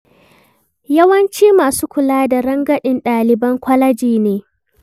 Yawancin masu kula da rangadin ɗaliban kwaleji ne.